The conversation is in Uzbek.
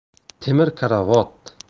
temir karavot